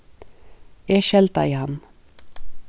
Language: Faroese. eg skeldaði hann